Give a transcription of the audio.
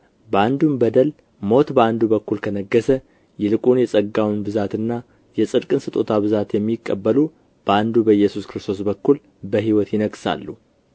በአንዱም በደል ሞት በአንዱ በኩል ከነገሠ ይልቁን የጸጋን ብዛትና የጽድቅን ስጦታ ብዛት የሚቀበሉ በአንዱ በኢየሱስ ክርስቶስ በኩል በሕይወት ይነግሣሉ